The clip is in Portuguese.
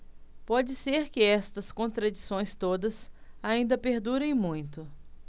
pode ser que estas contradições todas ainda perdurem muito